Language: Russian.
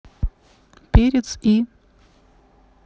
перец и